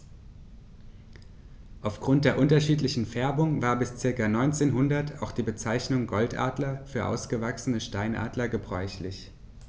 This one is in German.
Auf Grund der unterschiedlichen Färbung war bis ca. 1900 auch die Bezeichnung Goldadler für ausgewachsene Steinadler gebräuchlich.